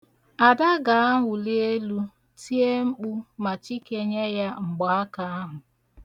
Ada ga-awụli elu, tie mkpu ma Chike nye ya mgbaaka ahụ.